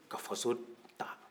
ka faso ta